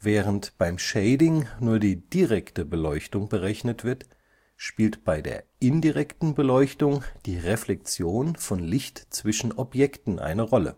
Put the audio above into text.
Während beim Shading nur die direkte Beleuchtung berechnet wird, spielt bei der indirekten Beleuchtung die Reflexion von Licht zwischen Objekten eine Rolle